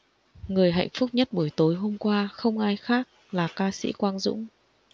người hạnh phúc nhất buổi tối hôm qua không ai khác là ca sĩ quang dũng